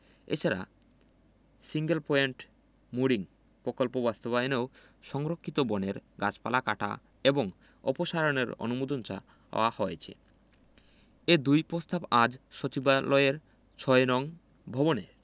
এছাড়া single point mooring প্রকল্প বাস্তবায়নেও সংরক্ষিত বনের গাছপালা কাটা এবং অপসারণের অনুমোদন চাওয়া হয়েছে এ দুই প্রস্তাব আজ সচিবালয়ের ৬ নং ভবনে